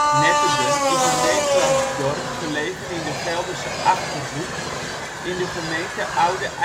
Netterden is een Nederlands dorp gelegen in de Gelderse Achterhoek, in de gemeente Oude IJsselstreek